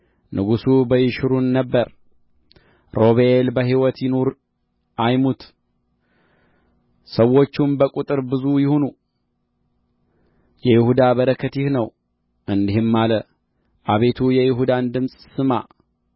ንጉሥ በይሹሩን ነበረ ሮቤል በህይወት ይኑር አይሙት ሰዎቹም በቍጥር ብዙ ይሁኑ የይሁዳ በረከት ይህ ነው እንዲህም አለ አቤቱ የይሁዳን ድምፅ ስማ